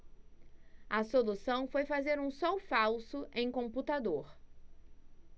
a solução foi fazer um sol falso em computador